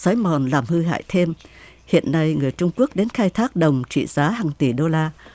xói mòn làm hư hại thêm hiện nay người trung quốc đến khai thác đồng trị giá hàng tỷ đô la